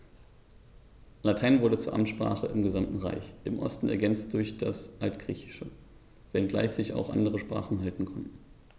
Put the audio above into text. Latein wurde zur Amtssprache im gesamten Reich (im Osten ergänzt durch das Altgriechische), wenngleich sich auch andere Sprachen halten konnten.